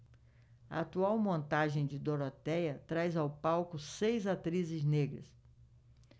a atual montagem de dorotéia traz ao palco seis atrizes negras